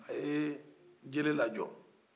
a ye jele lajɔ